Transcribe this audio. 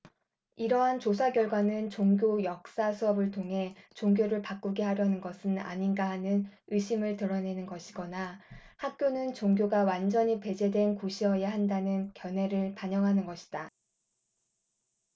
이러한 조사 결과는 종교 역사 수업을 통해 종교를 바꾸게 하려는 것은 아닌가 하는 의심을 드러내는 것이거나 학교는 종교가 완전히 배제된 곳이어야 한다는 견해를 반영하는 것이다